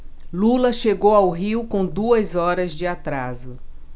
lula chegou ao rio com duas horas de atraso